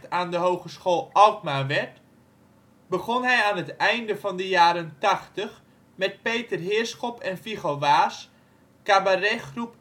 aan de Hogeschool Alkmaar werd, begon hij aan het einde van de jaren tachtig met Peter Heerschop en Viggo Waas cabaretgroep